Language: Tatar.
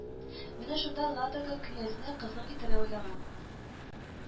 Менә шунда Ладога князьне кызык итәргә уйлаган